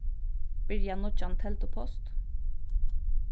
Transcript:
byrja nýggjan teldupost